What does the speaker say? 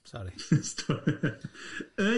Sori.